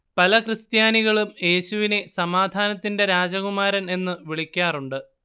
പല ക്രിസ്ത്യാനികളും യേശുവിനെ സമാധാനത്തിന്റെ രാജകുമാരൻ എന്നു വിളിക്കാറുണ്ട്